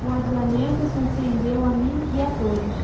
o adiamento surpreendeu a mim e a todos